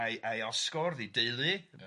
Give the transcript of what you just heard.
a'i a'i osgwrdd, ei deulu, ia,